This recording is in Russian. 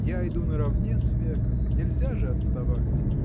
Я иду наравне с веком: нельзя же отставать!